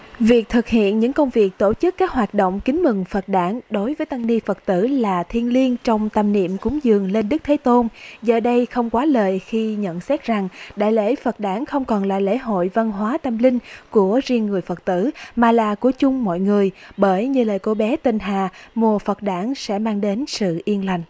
việc thực hiện những công việc tổ chức các hoạt động kính mừng phật đản đối với tăng ni phật tử là thiêng liêng trong tâm niệm cúng dường lên đức thế tôn giờ đây không quá lời khi nhận xét rằng đại lễ phật đản không còn là lễ hội văn hóa tâm linh của riêng người phật tử mà là của chung mọi người bởi như lời cô bé tên hà mùa phật đản sẽ mang đến sự yên lành